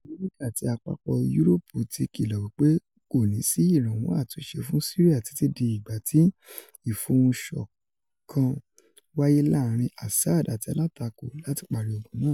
Ilu Amẹrika ati Apapọ Uropu ti kilo wi pe koni si iranwọ atunṣe fun Siria titi di igba ti ifohunṣọkan waye laarin Assad ati alatako lati pari ogun naa.